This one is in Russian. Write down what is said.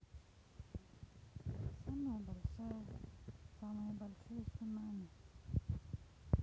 самая большая самые большие цунами